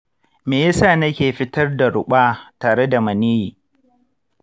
me yasa nake fitar da ruɓa tare da maniyyi?